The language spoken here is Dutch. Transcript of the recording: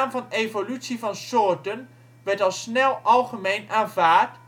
van evolutie van soorten werd al snel algemeen aanvaard